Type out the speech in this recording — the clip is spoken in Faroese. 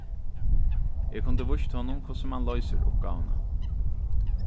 eg kundi víst honum hvussu mann loysir uppgávuna